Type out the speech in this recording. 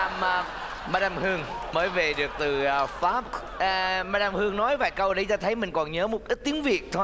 ma đam hương mới về được từ pháp a ma đam hương nói vài câu để cho thấy mình còn nhớ một ít tiếng việt thôi